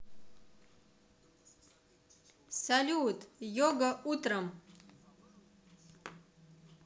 салют йога утром